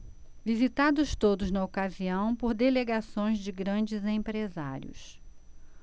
visitados todos na ocasião por delegações de grandes empresários